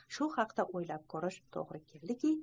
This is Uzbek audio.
shu haqda o'ylab ko'rishga to'g'ri keladiki